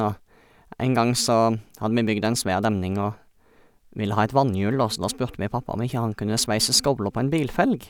Og en gang så hadde vi bygd en svær demning og ville ha et vannhjul, da, så da spurte vi pappa om ikke han kunne sveise skovler på en bilfelg.